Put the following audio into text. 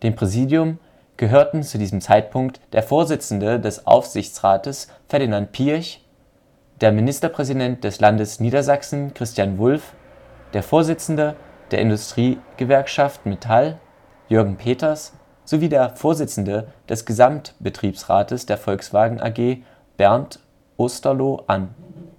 Präsidium gehörten zu diesem Zeitpunkt der Vorsitzende des Aufsichtsrates Ferdinand Piëch, der Ministerpräsident des Landes Niedersachsen Christian Wulff, der Vorsitzende der Industriegewerkschaft Metall Jürgen Peters sowie der Vorsitzende des Gesamtbetriebsrates der Volkswagen AG Bernd Osterloh an. Am